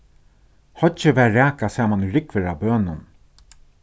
hoyggið var rakað saman í rúgvur á bønum